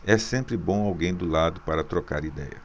é sempre bom alguém do lado para trocar idéia